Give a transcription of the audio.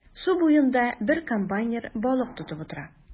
Су буенда бер комбайнер балык тотып утыра.